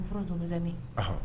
N foronto misɛnnin ɔnhɔn